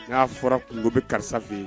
N'a fɔra kungo bɛ karisa fɛ yen.